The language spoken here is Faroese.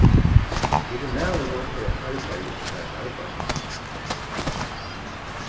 fyri maluna er eitt arbeiði ikki bara eitt arbeiði